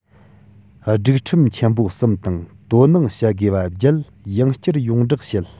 སྒྲིག ཁྲིམས ཆེན པོ གསུམ དང དོ སྣང བྱ དགོས པ བརྒྱད ཡང བསྐྱར ཡོངས བསྒྲགས བྱེད